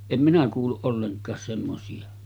en minä kuullut ollenkaan semmoisia